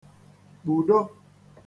-kpùdo